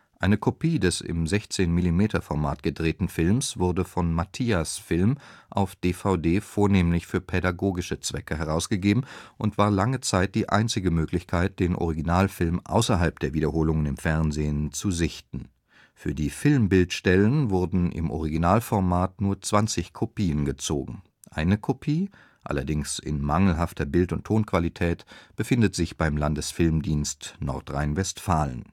Eine Kopie des im 16-mm-Format gedrehten Films wurde von Matthias-Film auf DVD vornehmlich für pädagogische Zwecke herausgegeben und war lange Zeit die einzige Möglichkeit, den Originalfilm außerhalb der Wiederholungen im Fernsehen zu sichten. Für die Filmbildstellen wurden im Originalformat nur 20 Kopien gezogen. Eine Kopie (allerdings in mangelhafter Bild - und Tonqualität) befindet sich beim Landesfilmdienst Nordrhein-Westfalen